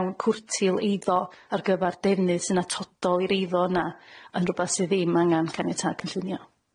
cwrtil eiddo ar gyfar defnydd sy'n atodol i'r eiddo yna yn rwbath sydd ddim angan caniatâd cynllunio.